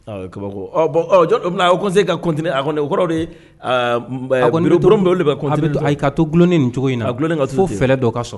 Ɔ o ye kabako, ɔ bon , ɔ jɔn, o bɛna, haut conseil ka continuer a kɔnni, o kɔrɔ de aa un un a kɔnni, bureau min bɛ yen, olu de bɛ continuer ,ayi ka to dulo ni cogo in na, a dulo ni ka to ten, fo fɛɛrɛ dɔ ka sɔ